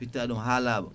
pitta ɗum ha laaɓa